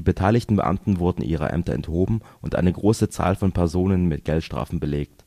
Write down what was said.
beteiligten Beamten wurden ihrer Ämter enthoben und eine große Zahl von Personen mit Geldstrafen belegt.